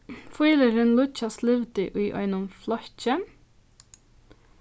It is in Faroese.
fílurin líggjas livdi í einum flokki